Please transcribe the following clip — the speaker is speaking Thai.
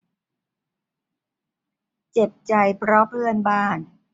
เจ็บใจเพราะเพื่อนบ้าน